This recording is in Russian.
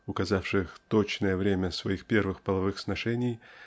указавших точное время своих первых половых сношений